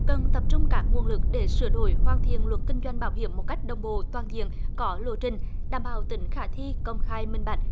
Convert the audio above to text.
cần tập trung các nguồn lực để sửa đổi hoàn thiện luật kinh doanh bảo hiểm một cách đồng bộ toàn diện có lộ trình đảm bảo tính khả thi công khai minh bạch